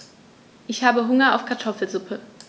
Ich habe Hunger auf Kartoffelsuppe.